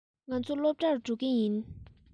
ང ཚོ སློབ གྲྭར འགྲོ གི ཡིན